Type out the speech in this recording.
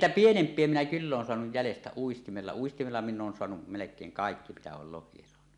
niin niitä pienempiä minä kyllä olen saanut jäljestä uistimella uistimella minä olen saanut melkein kaikki mitä olen lohia saanut